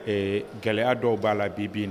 Ee gɛlɛya dɔw b'a la bi bin